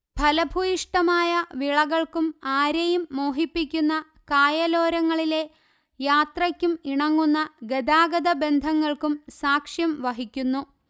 ഫലഭൂയിഷ്ടമായ വിളകൾക്കും ആരേയും മോഹിപ്പിക്കുന്ന കായലോരങ്ങളിലെ യാത്രയ്ക്കും ഇണങ്ങുന്ന ഗതാഗത ബന്ധങ്ങൾക്കും സാക്ഷ്യം വഹിക്കുന്നു